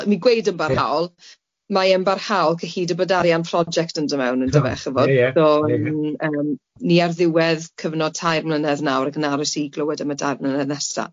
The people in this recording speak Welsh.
Fi'n gweud yn barhaol, mae e'n barhaol cyhyd a bod arian project yn dod mewn yndyfe chi'bod... Ie ie, ie ie... so yym ni ar ddiwedd cyfnod tair mlynedd nawr ac yn aros i glywed am y dair mlynedd nesa.